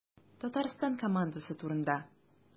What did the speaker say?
Татарстан командасы турында.